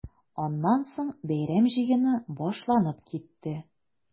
Аннан соң бәйрәм җыены башланып китте.